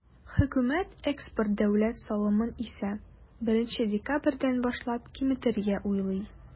Хөкүмәт экспорт дәүләт салымын исә, 1 декабрьдән башлап киметергә уйлый.